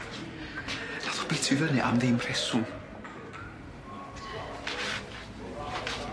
Nath o bîtio i fyny am ddim rheswm.